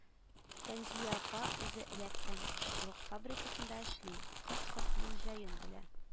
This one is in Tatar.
Фәнзия апа үзе электән кошчылык фабрикасында эшли: кош-кортның җаен белә